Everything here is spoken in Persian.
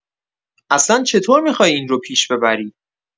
اصلا چه‌طور می‌خوای این رو پیش ببری؟